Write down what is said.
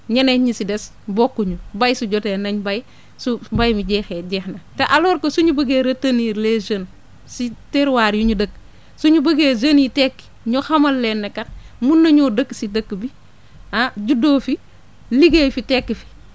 ñeneen ñi si des bokkuñu béy su jotee nañ béy su mbéy mi jeexee jeex na te alors que suñu bëggee retenir les jeunes si terroir yi ñu dëkk suñu bëggee jeunes yi tekki ñu xamal leen ni kat mun nañoo dëkk si dëkk bi ah juddoo fi liggéey fi tekki fi